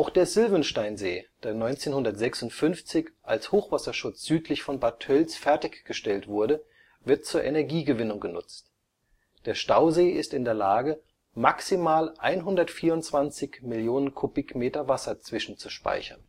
der Sylvensteinsee, der 1956 als Hochwasserschutz südlich von Bad Tölz fertig gestellt wurde, wird zur Energiegewinnung genutzt. Der Stausee ist in der Lage, maximal 124 Millionen Kubikmeter Wasser zwischenzuspeichern